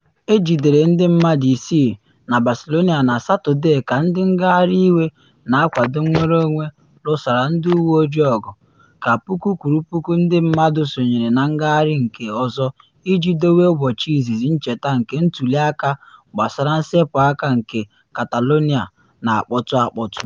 Ejidere ndị mmadụ isii na Barcelona na Satọde ka ndị ngagharị iwe na akwado nnwere onwe lụsara ndị uwe ojii ọgụ, ka puku kwụrụ puku ndị mmadụ sonyere na ngagharị nke ọzọ iji dowe ụbọchị izizi ncheta nke ntuli aka gbasara nsepụ aka nke Catalonia na akpọtụ akpọtụ.